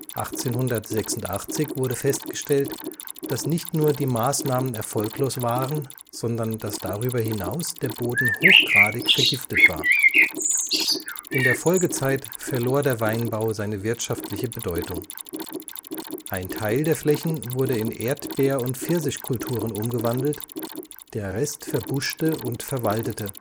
1886 wurde festgestellt, dass nicht nur die Maßnahmen erfolglos waren, sondern dass darüber hinaus der Boden hochgradig vergiftet war. In der Folgezeit verlor der Weinbau seine wirtschaftliche Bedeutung. Ein Teil der Flächen wurde in Erdbeer - und Pfirsichkulturen umgewandelt, der Rest verbuschte und verwaldete